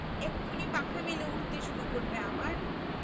এক্ষুনি পাখা মেলে উড়তে শুরু করবে আবার